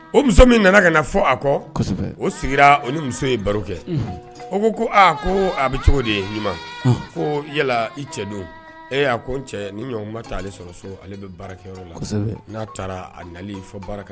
O muso min nana ka na fɔ a kɔ, kosɛbɛ,o sigira o ni muso ye baro kɛ, unhun,o ko ko aa ko a bɛ cogo di Ɲuma, un, ko yala i cɛ don?ee a ko n cɛ, ni ɲɔgɔn tuma tɛ ale sɔrɔ so, ale bɛ baarakɛyɔrɔ la, kosɛbɛ, n'a taara a nali fɔ baara ka